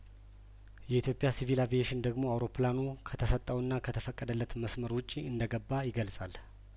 የኢትዮጵያ ሲቪል አቪየሽን ደግሞ አውሮፕላኑ ከተሰጠውና ከተፈቀደለት መስመር ውጪ እንደገባ ይገልጻል